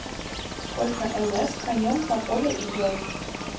сколько ms конем по полю идем